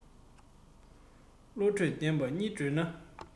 བློ གྲོས ལྡན པ གཉིས བགྲོས ན